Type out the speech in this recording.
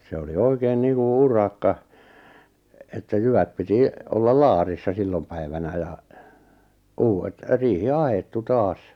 se oli oikein niin kuin urakka että jyvät piti olla laarissa silloin päivänä ja uudet riihi ahdettu taas